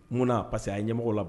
Munna a parce que a ye ɲɛmɔgɔ la